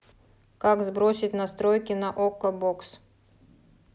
как сбросить настройки на окко бокс